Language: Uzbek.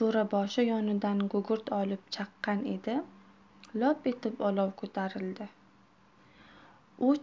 jo'raboshi yonidan gugurt olib chaqqan edi lop etib olov ko'tarildi